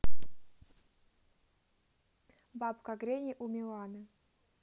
бабка гренни у миланы